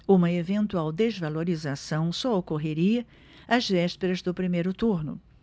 uma eventual desvalorização só ocorreria às vésperas do primeiro turno